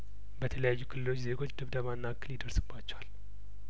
በተለያዩ ክልሎች ዜጐች ድብደባና እክል ይደርስ ባቸውል